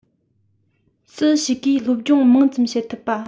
སུ ཞིག གིས སློབ སྦྱོང མང ཙམ བྱེད ཐུབ པ